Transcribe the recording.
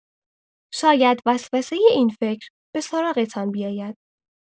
شاید وسوسه این فکر به سراغتان بیاید.